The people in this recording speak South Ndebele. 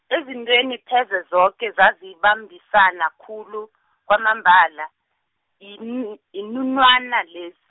ezintweni pheze zoke zazibambisana khulu, kwamambala, iin- iinunwana lez-.